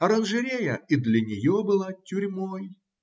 Оранжерея и для нее была тюрьмой.